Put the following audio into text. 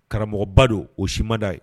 Karamɔgɔba don o simada ye